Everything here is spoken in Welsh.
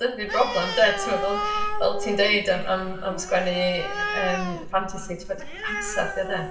Dyna 'di'r broblem, de. Timod, fel fel ti'n deud am am am sgwennu yym ffantasi ti'n gwybod, amser 'di o de.